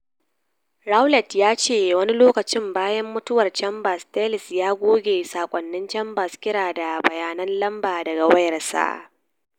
Rowlett ya ce wani lokaci bayan mutuwar Chambers, Tellis ya goge sakonin Chambers, kira da bayanin lamba daga wayarsa.